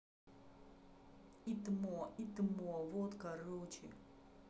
итмо итмо вот короче